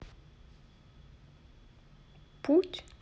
путь